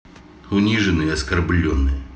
униженные и оскорбленные